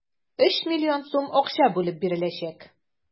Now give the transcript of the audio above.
3 млн сум акча бүлеп биреләчәк.